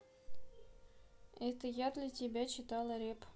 это я для тебя читала реп